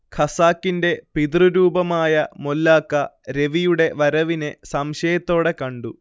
ഖസാക്കിന്റെ പിതൃരൂപമായ മൊല്ലാക്ക രവിയുടെ വരവിനെ സംശയത്തോടെ കണ്ടു